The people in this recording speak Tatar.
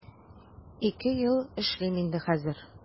Ике ел эшлим инде хәзер.